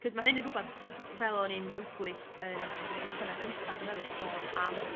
'C'os ma' hynny'n rwbath fel o'n i'n grybwyll yn y pennod cynta dwi meddwl sôn am